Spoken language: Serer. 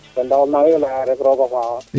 ten taxu nangi leya rek rooga faaxa